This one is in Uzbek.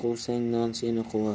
non seni quvar